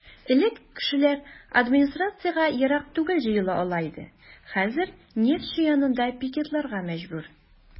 Элек кешеләр администрациягә ерак түгел җыела ала иде, хәзер "Нефтьче" янында пикетларга мәҗбүр.